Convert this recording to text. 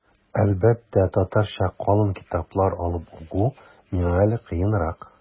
Әлбәттә, татарча калын китаплар алып уку миңа әле кыенрак.